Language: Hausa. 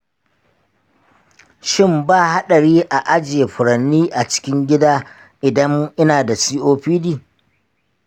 shin ba haɗari a ajiye furanni a cikin gida idan ina da copd?